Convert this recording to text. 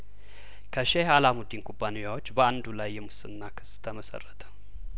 ከሼህ አላሙዲን ኩባንያዎች በአንዱ ላይ የሙስና ክስ ተመሰረተ